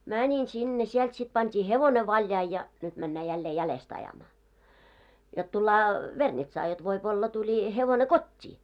menin sinne sieltä sitten pantiin hevonen valjaisiin ja nyt mennään jälleen jäljestä ajamaan jotta tullaan Vernitsaan jotta voi olla tuli hevonen kotiin